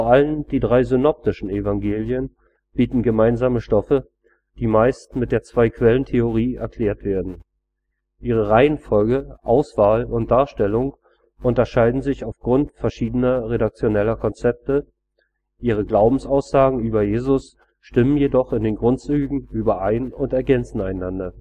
allem die drei „ synoptischen “Evangelien bieten gemeinsame Stoffe, die meist mit der Zwei-Quellen-Theorie erklärt werden. Ihre Reihenfolge, Auswahl und Darstellung unterscheiden sich aufgrund verschiedener redaktioneller Konzepte; ihre Glaubensaussagen über Jesus stimmen jedoch in den Grundzügen überein und ergänzen einander